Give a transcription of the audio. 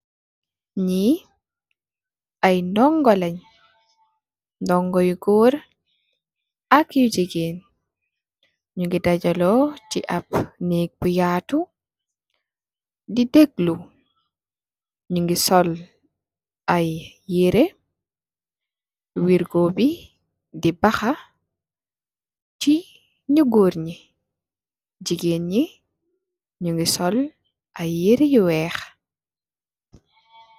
Nyee ay ndugu len ndugu yu goor ak yu jigeen nyugi daga lu si ap neeg bu yatu di teglu nyugi sol ay yereh wergo bi di baha si nyu goor nyi jigeen nyi nyu go sol ay yereh yu weex.